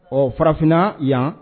Ɔ farafinna yan